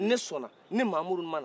ne sɔnna ni mahamudu ma na